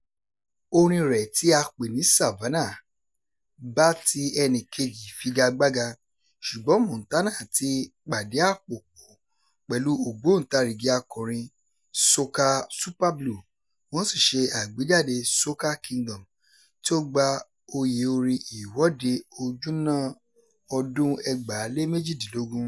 Orin rẹ̀ tí a pè ní "Savannah", bá ti ẹnìkejì figagbága, ṣùgbọ́n Montana tí pàdí-àpò-pọ̀ pẹ̀lú ògbóǹtarigi akọrin soca Superblue wọ́n sì ṣe àgbéjáde "Soca Kingdom", tí ó gba oyè orin Ìwọ́de Ojúná ọdún 2018.